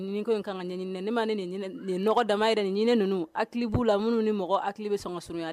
Ni ko in ka ɲininani ni ma ne da yɛrɛ nin ɲinin ninnu hakili b'u la minnu ni mɔgɔ hakili bɛ sɔn kaurun